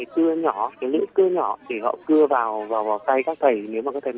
cái cưa nhỏ cái lưỡi cưa nhỏ thì họ cưa vào vào vào tay các thầy nếu mà các thầy